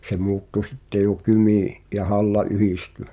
se muuttui sitten jo Kymi ja Halla yhdistyi